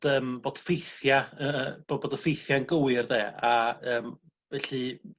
yym bod ffeithia yy bo' bod y ffeithie yn gywir 'de a yym felly